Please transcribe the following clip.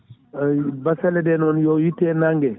eyyi basalle ɗe noon yo itte e nangue he